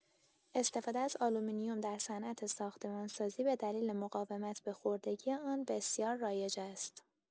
استفاده از آلومینیوم در صنعت ساختمان‌سازی به دلیل مقاومت به خوردگی آن بسیار رایج است.